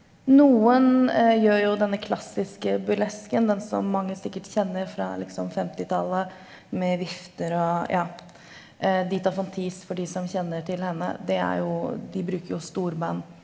noen gjør jo denne klassiske burlesken, den som mange sikkert kjenner fra liksom femtitallet med vifter og ja Dita Von Teese for de som kjenner til henne, det er jo de bruker jo storband.